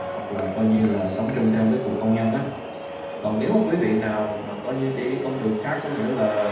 hoặc là coi như là sống chung trong cái cuộc hôn nhân á còn nếu quý vị nào mà coi như đi con đường khác có nghĩa là